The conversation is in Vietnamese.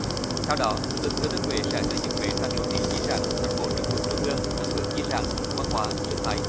theo đó tỉnh thừa thiên huế sẽ xây dựng huế thành đô thị di sản thành phố trực thuộc trung ương theo hướng di sản văn hóa sinh thái